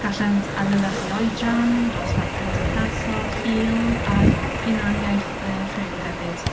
Gallant adlewyrchu oedran, dosbarth cymdeithasol, hil a h- hunaniaeth yy rhyw hefyd.